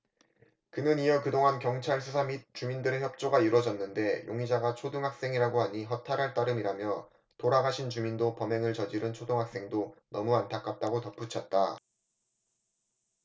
그는 이어 그동안 경찰 수사 및 주민들의 협조가 이뤄졌는데 용의자가 초등학생이라고 하니 허탈할 따름이라며 돌아가신 주민도 범행을 저지른 초등학생도 너무 안타깝다고 덧붙였다